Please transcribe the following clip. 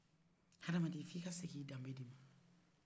adamaden f'i ka seg'i dame de ma